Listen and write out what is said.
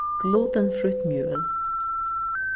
glutenfrítt mjøl